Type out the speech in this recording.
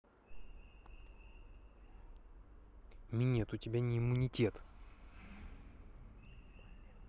минет у тебя не иммунитет